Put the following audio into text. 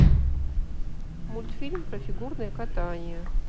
мультфильм про фигурное катание